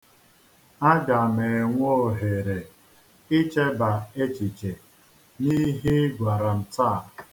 Aga m enwe ohere icheba echiche n'ihe ị gwara m taa.